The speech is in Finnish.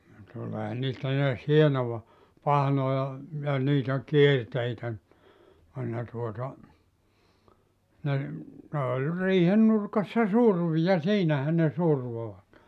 niin tuleehan niistä näet hienoa pahnoja ja niitä kierteitä ne ne tuota ne ne oli riihen nurkassa survin ja siinähän ne survoivat